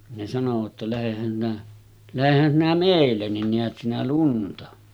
ne sanoivat jotta lähdehän sinä lähdehän sinä meille niin näet sinä lunta